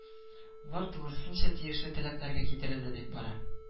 Лар тулысынча тиешле таләпләргә китерелде, дип бара